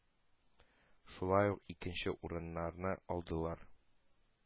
Шулай ук, икенче урыннарны алдылар.